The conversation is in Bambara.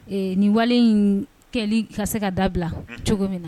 Nin walelen in kɛli ka se ka dabila cogo min na